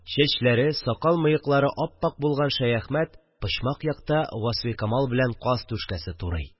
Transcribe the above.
Чәчләре, сакал-мыеклары ап-ак булган Шәяхмәт почмак якта Васфикамал белән каз түшкәсе турый